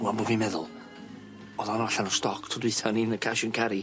O rŵan bo' fi'n meddwl, o'dd o'n allan o stoc tro dwyta o'n i yn y cash 'n carry.